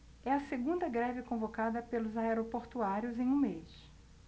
é a segunda greve convocada pelos aeroportuários em um mês